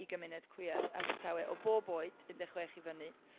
i gymuned cwiar Abertawe o bob oed un deg chwech i fyny.